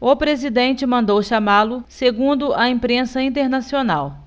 o presidente mandou chamá-lo segundo a imprensa internacional